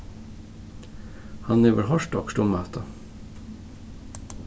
hann hevur hoyrt okkurt um hatta